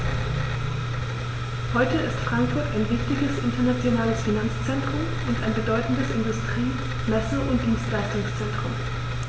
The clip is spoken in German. Heute ist Frankfurt ein wichtiges, internationales Finanzzentrum und ein bedeutendes Industrie-, Messe- und Dienstleistungszentrum.